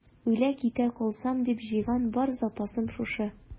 Үлә-китә калсам дип җыйган бар запасым шушы.